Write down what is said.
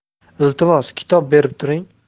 iltimos kitob berib turing